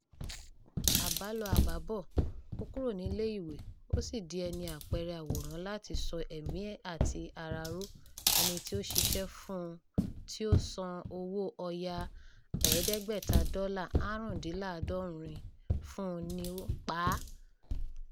Àbálọ àbábọ̀, ó kúrò ní ilé-ìwé, ó sì di ẹni-àpẹẹrẹ àwòrán láti so ẹ̀mí àti ara ró. Ẹni tí ó ṣiṣẹ́ fún tí ó san owó ọ̀yà HK$500 dollars (US$65) fún un ni ó pa a.